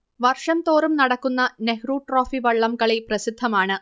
വർഷം തോറും നടക്കുന്ന നെഹ്രു ട്രോഫി വള്ളംകളി പ്രസിദ്ധമാണ്